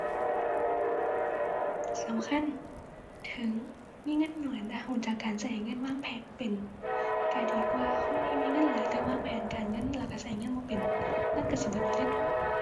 สำคัญ ถึงมีเงินน้อยแต่รู้จักการรู้เงินวางแผนเป็น รู้ดีกว่าคนที่มีเงินหลายแต่วางแผนการเงินแล้วรู้รู้เงินบ่เป็น เงินรู้สิเบิดไปเลยตั่ว